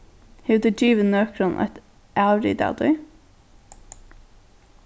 hevur tú givið nøkrum eitt avrit av tí